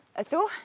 Ydw